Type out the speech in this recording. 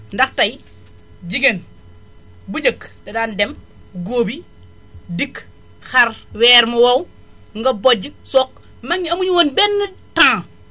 ndax tay jigéen bu njëkk da daan dem góobi dikk xar weer mu wow nga bojj soq mag ñi amuñu woon benn temps